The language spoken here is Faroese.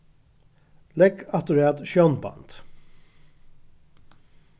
legg afturat sjónband